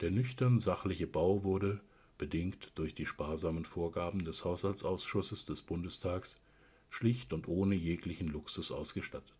nüchtern-sachliche Bau wurde - bedingt durch die sparsamen Vorgaben des Haushaltsausschusses des Bundestags - schlicht und ohne jeglichen Luxus ausgestattet